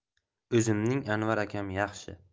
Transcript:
o'zimning anvar akam yaxshi